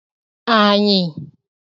ànyị̀